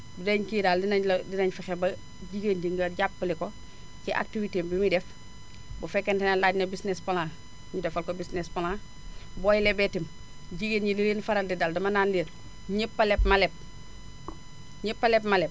denc yi daal dinaénu la dinañ fexe ba jigéen ji nga jàppale ko ci activité am bi muy def bu fekkente ne laaj na business plan ñu defal ko business plan booy lebee itam jigéen éni li leen di faral di dal dama naan leen ñëpp a leb ma leb